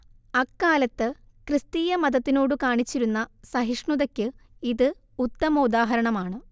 അക്കാലത്ത് ക്രിസ്തീയ മതത്തിനോടു കാണിച്ചിരുന്ന സഹിഷ്ണൂതക്ക് ഇത് ഉത്തമോദാഹരണമാണ്